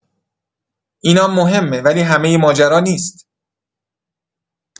اینا مهمه، ولی همه ماجرا نیست.